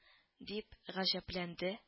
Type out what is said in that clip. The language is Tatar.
—дип гаҗәпләнде